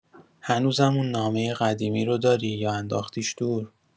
هنوزم اون نامه قدیمی روداری یا انداختیش دور؟